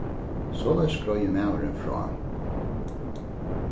soleiðis greiðir maðurin frá